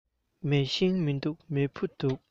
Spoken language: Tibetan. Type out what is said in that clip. མེ ཤིང མི འདུག མེ ཕུ འདུག